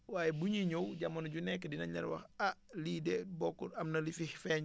waaye bu ñuy ñëw jamono ju nekk dinañ leen wax ah lii de bokkul am na lu fi feeñ